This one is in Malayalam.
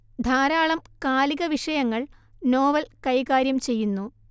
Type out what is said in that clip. ധാരാളം കാലിക വിഷയങ്ങൾ നോവൽ കൈകാര്യം ചെയ്യുന്നു